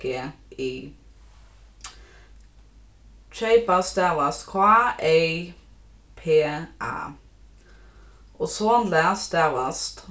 g i keypa stavast k ey p a ozonlag stavast